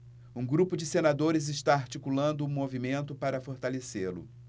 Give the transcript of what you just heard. um grupo de senadores está articulando um movimento para fortalecê-lo